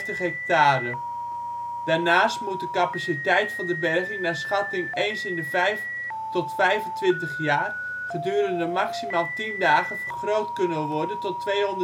hectare). Daarnaast moet de capaciteit van de berging naar schatting eens in de vijf tot vijfentwintig jaar gedurende maximaal tien dagen vergroot kunnen worden tot 225